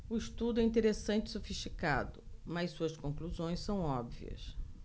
o estudo é interessante e sofisticado mas suas conclusões são óbvias